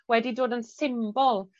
wedi dod yn symbol